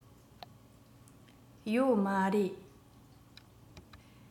ཡོད མ རེད